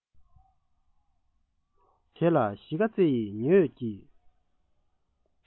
དེ ལ གཞིས ཀ རྩེ ཡི ཉི འོད ཀྱིས